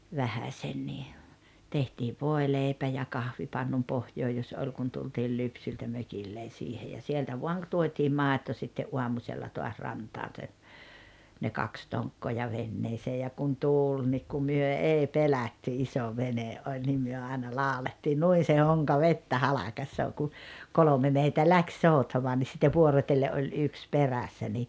vähäsenkin tehtiin voileipä ja kahvipannun pohja jos oli kun tultiin lypsyltä mökille siihen ja sieltä vain - tuotiin maito sitten aamusella taas rantaan se ne kaksi tonkkaa ja veneeseen ja kun tuuli niin kun me ei pelätty iso vene oli niin me aina laulettiin niin se honka vettä halkaisee kun kolme meitä lähti soutamaan niin sitten vuorotellen oli yksi perässä niin